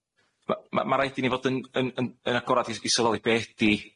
Ma' ma' ma' raid i ni fod yn yn yn yn agorad i i sylweddoli be' ydi